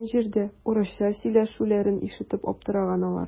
Бөтен җирдә урысча сөйләшүләрен ишетеп аптыраган алар.